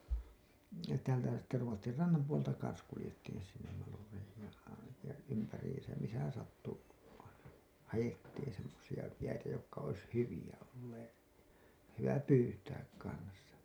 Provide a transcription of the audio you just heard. ja sittenhän täällä sitten Ruotsin rannan puolta kanssa kuljettiin sinne Malureihin ja aivan ja ympäriinsä missä sattui aina haettiin semmoisia jäitä jotka olisi hyviä olleet hyvä pyytää kanssa